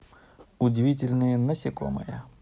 удивительные насекомые